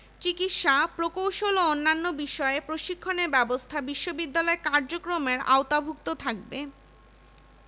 চিকিৎসা প্রকৌশল ও অন্যান্য বিষয়ে প্রশিক্ষণের ব্যবস্থা বিশ্ববিদ্যালয়ের কার্যক্রমের আওতাভুক্ত থাকবে